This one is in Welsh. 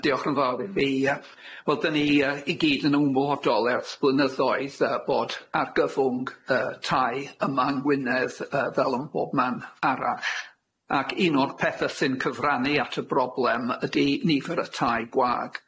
Yy diolch yn fawr i yy wel 'dyn ni yy i gyd yn ymwbodol ers blynyddoedd yy bod argyfwng y tai yma yng Ngwynedd yy fel yn bob man arall ac un o'r pethe sy'n cyfrannu at y broblem ydi nifer y tai gwag.